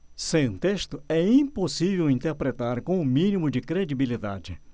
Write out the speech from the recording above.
sem texto é impossível interpretar com o mínimo de credibilidade